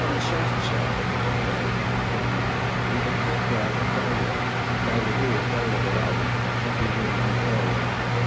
Mae'n tsarjio pobl rhwng un deg pedwar dollar a dau ddeg wyth dollar yr awr i fynd am dro efo nhw.